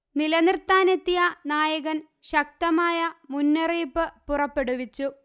നില നിര്ത്താനെത്തിയ നായകന് ശക്തമായ മുന്നറിയിപ്പ് പുറപ്പെടുവിച്ചു